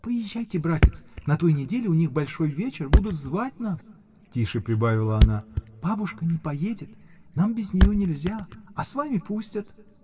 — Поезжайте, братец: на той неделе у них большой вечер, будут звать нас, — тише прибавила она, — бабушка не поедет, нам без нее нельзя, а с вами пустит.